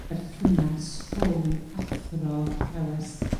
berthynas rhwng athro athrawes